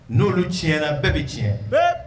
N'olu tiɲɛɲɛna na bɛɛ bɛ tiɲɛ bɛɛ